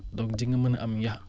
donc di nga mën a am